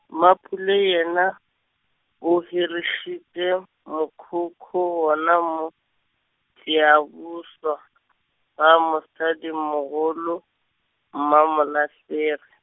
Mapule yena, o hirišitše mokhukhu gona mo, Siyabuswa , ga mosadimogolo, Mmamolahlegi.